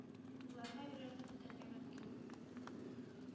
Уйларга өйрәнеп бетәргә мөмкин.